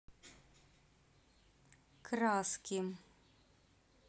краски